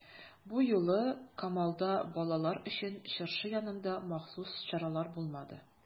Бу юлы Камалда балалар өчен чыршы янында махсус чаралар булмады.